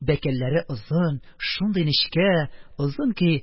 Бәкәлләре озын, шундый нечкә озын ки,